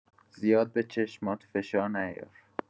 زیاد به چشمات فشار نیار.